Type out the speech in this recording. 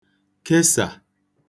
kesà